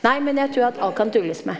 nei men jeg trur at alt kan tulles med.